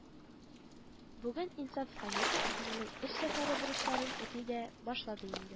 Бүген Инсаф Хәмитов үзенең эш сәфәре бурычларын үти дә башлады инде